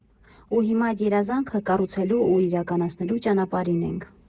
Ու հիմա այդ երազանքը կառուցելու ու իրականացնելու ճանապարհին ենք»։